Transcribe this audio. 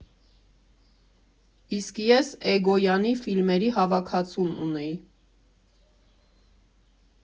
Իսկ ես Էգոյանի ֆիլմերի հավաքածուն ունեի։